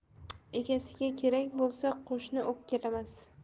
egasiga kerak bo'lsa qo'shnisi o'pkalamas